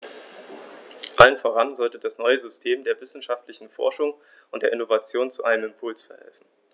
Allem voran sollte das neue System der wissenschaftlichen Forschung und der Innovation zu einem Impuls verhelfen.